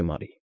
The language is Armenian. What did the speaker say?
Չմարի։